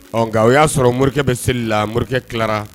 Ɔ o y'a sɔrɔ morikɛ bɛ seli la morikɛ tilara